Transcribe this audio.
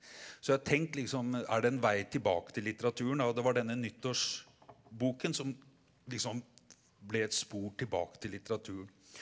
så jeg har tenkt liksom er det en vei tilbake til litteraturen og det var denne nyttårsboken som liksom ble et spor tilbake til litteraturen.